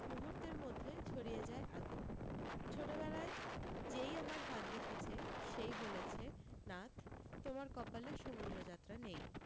মুহূর্তের মধ্যে ছড়িয়ে যায় আগুন ছোটবেলায় যেই আমার হাত দেখেছে সেই বলেছে নাথ তোমার কপালে সমুদ্রযাত্রা নেই